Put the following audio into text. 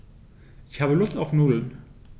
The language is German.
Ich habe Lust auf Nudeln.